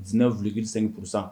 Jinɛinɛ ffilɛkili sen kurusa